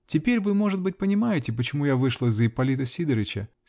Теперь вы, может быть, понимаете, почему я вышла за Ипполнта Сидорыча